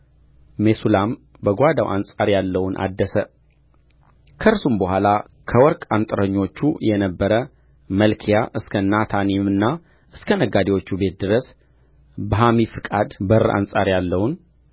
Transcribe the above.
ሜሱላም በጓዳው አንጻር ያለውን አደሰ እርሱም በኋላ ከወርቅ አንጥረኞቹ የነበረ መልክያ እስከ ናታኒምና እስከ ነጋዴዎቹ ቤት ድረስ በሐሚፍቃድ በር አንጻር ያለውን